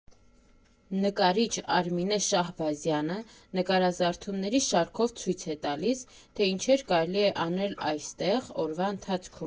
Նկարիչ Արմինե Շահբազյանը նկարազարդումների շարքով ցույց է տալիս, թե ինչեր կարելի է անել այստեղ օրվա ընթացքում։